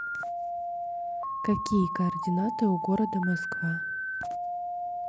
какие координаты у города москва